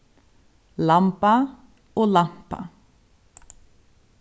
lamba og lampa